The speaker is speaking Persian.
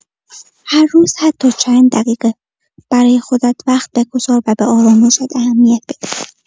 هر روز حتی چند دقیقه برای خودت وقت بگذار و به آرامشت اهمیت بده.